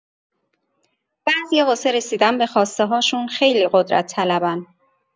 بعضیا واسه رسیدن به خواسته‌هاشون خیلی قدرت‌طلبن.